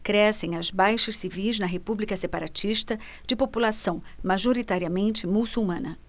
crescem as baixas civis na república separatista de população majoritariamente muçulmana